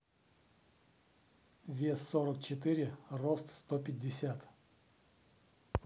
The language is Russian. вес сорок четыре рост сто пятьдесят